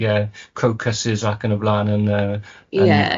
...ie crocuses ac yn y blaen yn yy... Ie.